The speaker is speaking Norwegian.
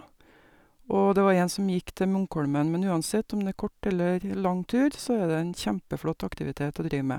Og det var en som gikk til Munkholmen, men uansett om det er kort eller lang tur, så er det en kjempeflott aktivitet å drive med.